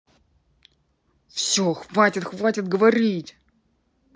все хватит хватит говорить